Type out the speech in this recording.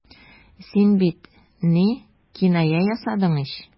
Син бит... ни... киная ясадың ич.